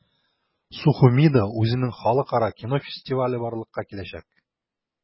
Сухумида үзенең халыкара кино фестивале барлыкка киләчәк.